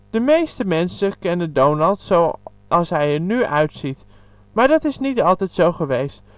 De meeste mensen kennen Donald zo als hij er nu uit ziet, maar dat is niet altijd zo geweest